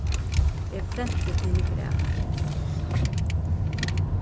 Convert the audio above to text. eg flenti til eg græt